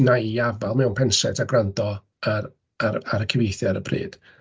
Wna i afael mewn penset a gwrando ar ar ar y cyfeithu ar y pryd.